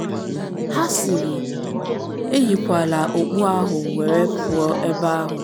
Ha sịrị, ‘eyikwala okpu ahụ were pụọ ebe ahụ.’